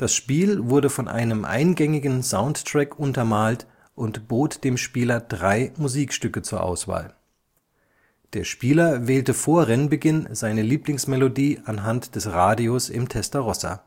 Spiel wurde von einem eingängigen Soundtrack untermalt und bot dem Spieler drei Musikstücke zur Auswahl. Der Spieler wählte vor Rennbeginn seine Lieblingsmelodie anhand des Radios im Testarossa